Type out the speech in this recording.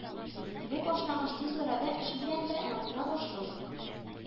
Бу башлангыч тиз арада эш белән дә ныгытыла башлый